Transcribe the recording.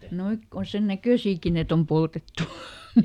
nuo kun on sen näköisiäkin että on poltettu